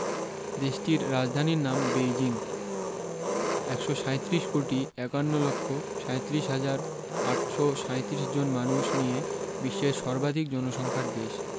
দেশটির রাজধানীর নাম বেইজিং ১৩৭ কোটি ৫১ লক্ষ ৩৭ হাজার ৮৩৭ জন মানুষ নিয়ে বিশ্বের সর্বাধিক জনসংখ্যার দেশ